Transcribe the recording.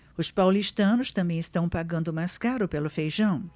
os paulistanos também estão pagando mais caro pelo feijão